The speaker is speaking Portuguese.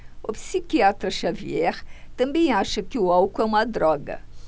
o psiquiatra dartiu xavier também acha que o álcool é uma droga